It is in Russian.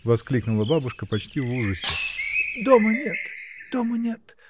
— воскликнула бабушка почти в ужасе. — Дома нет, дома нет!